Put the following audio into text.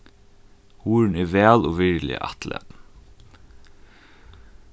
hurðin er væl og virðiliga afturlatin